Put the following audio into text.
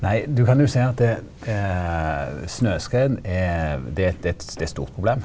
nei du kan jo seie at det snøskred er det er det det er eit stort problem.